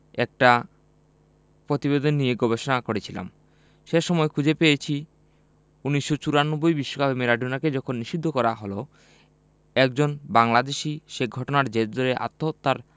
একটা প্রতিবেদন নিয়ে গবেষণা করছিলাম সে সময় খুঁজে পেয়েছি ১৯৯৪ বিশ্বকাপে ম্যারাডোনাকে যখন নিষিদ্ধ করা হলো একজন বাংলাদেশি সে ঘটনার জের ধরে আত্মহত্যার